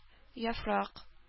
Яфрак